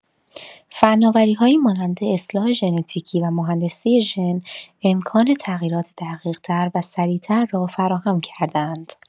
فناوری‌هایی مانند اصلاح ژنتیکی و مهندسی ژن، امکان تغییرات دقیق‌تر و سریع‌تر را فراهم کرده‌اند.